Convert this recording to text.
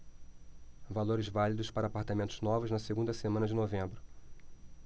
valores válidos para apartamentos novos na segunda semana de novembro